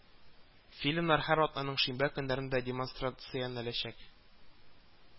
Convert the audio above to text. Фильмнар һәр атнаның шимбә көннәрендә демонстрациянәләчәк